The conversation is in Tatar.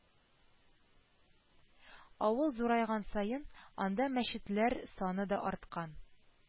Авыл зурайган саен анда мәчетләр саны да арткан